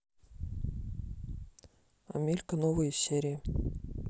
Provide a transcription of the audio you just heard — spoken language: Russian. амелька новые серии